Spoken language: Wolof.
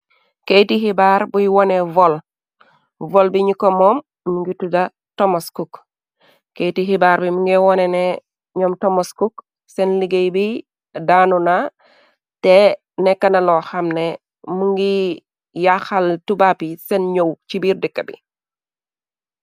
Keyiti xibaar buy wone voll, voll bi ñu ko moom ñu ngi tudda Thomas Cook, keyiti xibaar bi mu ngi wone ne ñoom Thomas Cook seen liggéey bi daanu na, te nekka na lo xam ne mu ngi yaaxal tubaab yi seen ñaw ci biir dëkka bi.